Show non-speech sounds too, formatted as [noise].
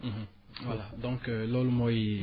[hesitation] [hesitation] [smacks lips] voilà donc loolu mooy